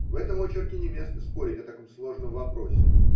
В этом очерке не место спорить о таком сложном вопросе